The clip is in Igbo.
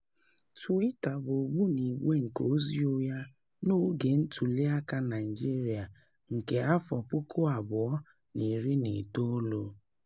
Twitter bụ ogbunigwe nke ozi ụgha n'oge ntụliaka Naịjirịa nke 2019